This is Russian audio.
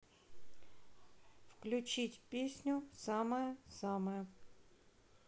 включить песню самая самая